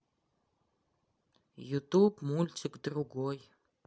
ютуб мультик другой